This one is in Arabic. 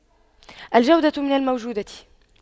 الجودة من الموجودة